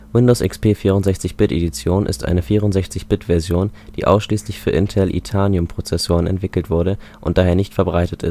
Windows XP 64-Bit Edition ist eine 64-Bit-Version, die ausschließlich für Intel Itanium-Prozessoren entwickelt wurde und daher nicht verbreitet ist